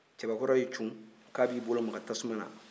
cɛbakɔrɔ y'i cun ko a b'i bolo maga tasuma na